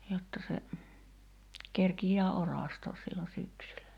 jotta se kerkiää orastaa silloin syksyllä